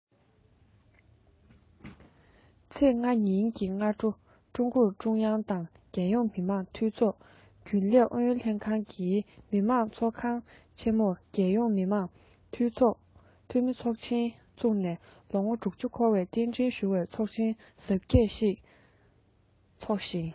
ཚེས ཉིན གྱི སྔ དྲོ ཀྲུང གུང ཀྲུང དབྱང དང རྒྱལ ཡོངས མི དམངས འཐུས ཚོགས རྒྱུན ལས ཨུ ཡོན ལྷན ཁང གིས མི དམངས ཚོགས ཁང ཆེ མོར རྒྱལ ཡོངས མི དམངས འཐུས མི ཚོགས ཆེན བཙུགས ནས ལོ ངོ འཁོར བར རྟེན འབྲེལ ཞུ བའི ཚོགས ཆེན གཟབ རྒྱས ཤིག འཚོགས ཤིང